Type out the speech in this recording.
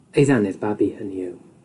Ei ddannedd babi hynny yw.